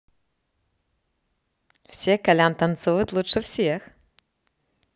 все колян танцует лучше всех